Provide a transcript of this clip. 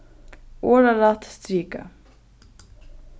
orðarætt strika